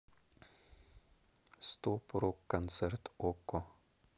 стоп рок концерт окко